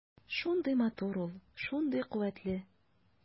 Шундый матур ул, шундый куәтле.